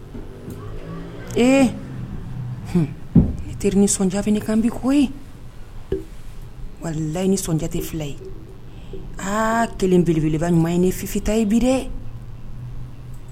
E teri ni nisɔndiya kan bi ko wali layi ni nisɔndiya tɛ fila ye aa kelen beleba ɲuman ye ni fita ye bi dɛ